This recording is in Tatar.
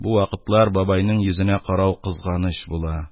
Бу вакытлар бабайның йөзенә карау кызганыч була,